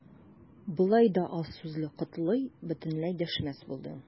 Болай да аз сүзле Котлый бөтенләй дәшмәс булды.